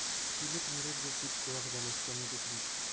Килеп йөрербез дип вәгъдәләшкән идек бит.